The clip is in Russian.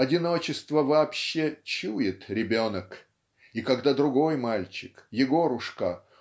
Одиночество вообще чует ребенок и когда другой мальчик Егорушка